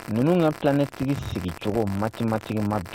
Ninnu ka tila ne tigi sigi cogo mati matigi ma don